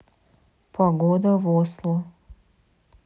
погода в осло